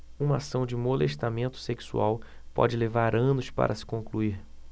uma ação de molestamento sexual pode levar anos para se concluir